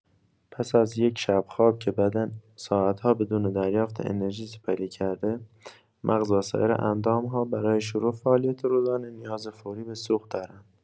پس از یک شب خواب که بدن ساعت‌ها بدون دریافت انرژی سپری کرده، مغز و سایر اندام‌ها برای شروع فعالیت روزانه نیاز فوری به سوخت دارند.